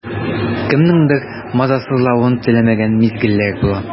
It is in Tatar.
Кемнеңдер мазасызлавын теләмәгән мизгелләр була.